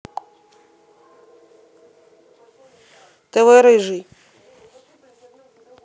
тв рыжий